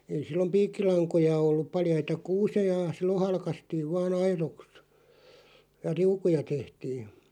ei silloin piikkilankoja ollut paljaita kuusia silloin halkaistiin vain aidoiksi ja riukuja tehtiin